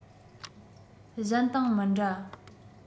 གཞན དང མི འདྲ